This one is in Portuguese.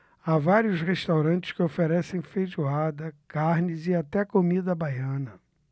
há vários restaurantes que oferecem feijoada carnes e até comida baiana